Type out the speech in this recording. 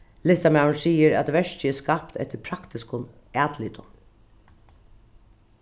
listamaðurin sigur at verkið er skapt eftir praktiskum atlitum